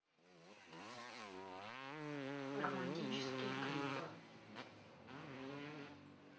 романтические клипы